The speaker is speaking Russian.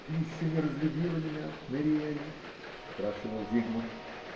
-- Ты еще не разлюбила меня, Мэриели? -- спрашивал Зигмунт.